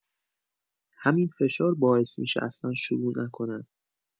همین فشار باعث می‌شه اصلا شروع نکنن.